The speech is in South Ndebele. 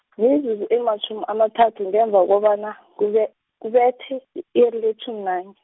mizuzu ematjhumi amathathu ngemva kobana , kube- kubethe, i-iri letjhumi nanye.